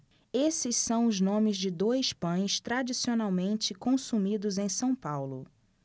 esses são os nomes de dois pães tradicionalmente consumidos em são paulo